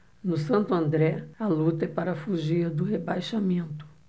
no santo andré a luta é para fugir do rebaixamento